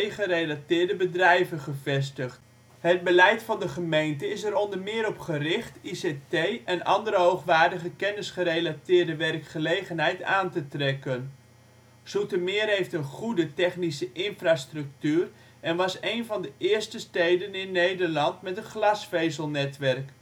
gerelateerde bedrijven gevestigd. Het beleid van de gemeente is er op onder meer op gericht ICT en andere hoogwaardige kennis-gerelateerde werkgelegenheid aan te trekken. Zoetermeer heeft een goede technische infrastructuur en was een van de eerste steden in Nederland met een glasvezelnetwerk